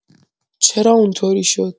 چرا اونطوری شد؟